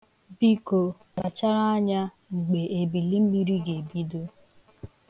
Biko, kpachara anya mgbe ebilimmiri ga-ebido.